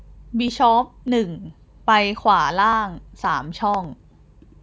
บิชอปหนึ่งไปขวาล่างสามช่อง